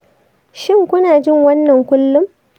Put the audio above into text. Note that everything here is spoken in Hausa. shin ku na jin wannan kullum